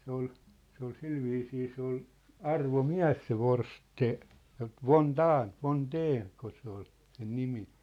se oli se oli sillä viisiin se oli arvomies se - Forstén von Daehn von Daehn kun se oli sen nimi